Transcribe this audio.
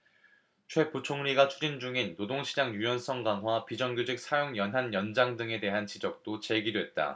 최 부총리가 추진 중인 노동시장 유연성 강화 비정규직 사용연한 연장 등에 대한 지적도 제기됐다